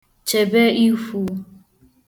chèbeikwū